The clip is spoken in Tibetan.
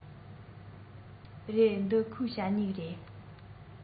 རེད འདི ཁོའི ཞ སྨྱུག རེད